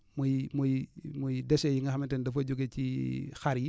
muy muy muy déchets yi nga xamante ni dafa jóge ci xar yi